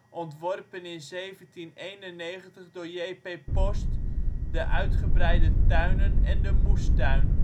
ontworpen in 1791 door J.P.Posth), de uitgebreide tuinen en de moestuin